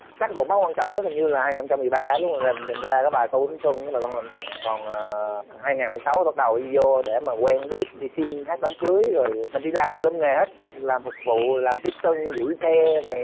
chắc cột mốc quan trọng nhất hình như là hai ngàn trăm mười ba lúc mà rình mình ra cái bài con bướm xuân với bài không cảm xúc còn ờ hai ngàn lẻ sáu bắt đầu đi dô để mà quen biết đi xin hát đám cưới rồi mình đi làm tùm lum nghề hết lòng phục vụ làm tiếp tân giữ xe rồi